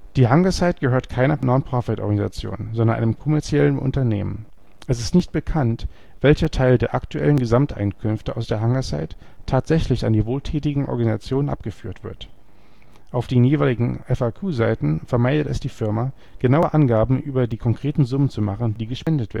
Die Hungersite gehört keiner Nonprofit-Organisation, sondern einem kommerziellen Unternehmen. Es ist nicht bekannt, welcher Teil der aktuellen Gesamteinkünfte aus der Hungersite tatsächlich an die wohltätigen Organisationen abgeführt wird. Auf den jeweiligen FAQ-Seiten vermeidet es die Firma, genaue Angaben über die konkreten Summen zu machen, die gespendet